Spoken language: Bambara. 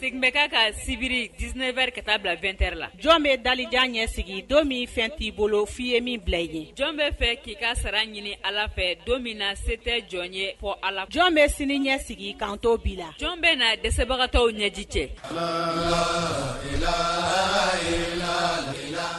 segin bɛ ka ka sibiri diinɛ wɛrɛ kata bila2t la jɔn bɛ dajan ɲɛ sigi don min fɛn t'i bolo f'i ye min bila i ye jɔn bɛ fɛ k'i ka sara ɲini ala fɛ don min na se tɛ jɔn ye fɔ a jɔn bɛ sini ɲɛ sigi kan tɔw bi la jɔn bɛ na dɛsɛbagatɔw ɲɛji cɛ